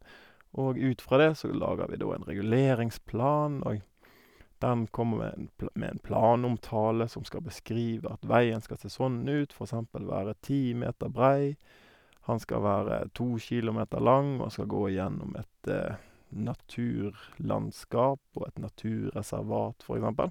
Og ut fra det så lager vi da en reguleringsplan, og den kommer med en pl med en planomtale som skal beskrive at veien skal se sånn ut, for eksempel være ti meter brei, han skal være to kilometer lang, og han skal gå gjennom et naturlandskap og et naturreservat, for eksempel.